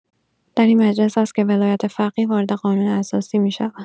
در این مجلس است که ولایت‌فقیه وارد قانون اساسی می‌شود.